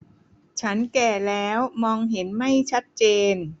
ฉันแก่แล้วมองเห็นไม่ชัดเจน